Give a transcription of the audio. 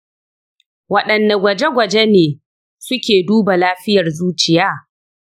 waɗanne gwaje-gwaje ne suke duba lafiyar zuciya?